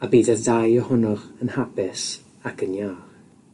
a bydd y ddau ohonoch yn hapus ac yn iach.